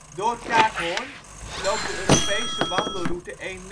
Door Kaakhorn loopt de Europese wandelroute E9